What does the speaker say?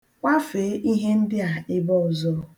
Kwafee ihe ndịa ebe ọzọ.